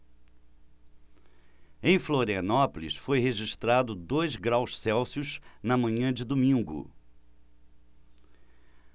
em florianópolis foi registrado dois graus celsius na manhã de domingo